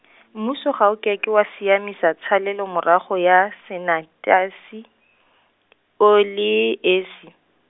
mmuso ga o ka ke wa siamisa tshalelomorago ya sanetasi , o le esi.